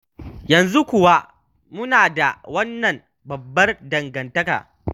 Yanzu kuwa muna da wannan babbar dangantaka.